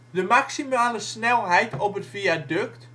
De maximale snelheid op het viaduct